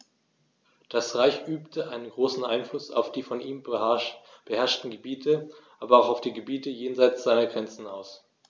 Das Reich übte einen großen Einfluss auf die von ihm beherrschten Gebiete, aber auch auf die Gebiete jenseits seiner Grenzen aus.